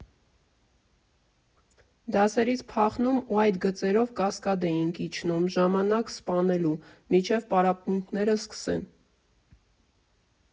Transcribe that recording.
Դասերից փախնում ու այդ գծերով Կասկադ էինք իջնում՝ ժամանակ սպանելու, մինչև պարապմունքները կսկսեն։